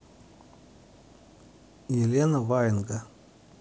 елена ваенга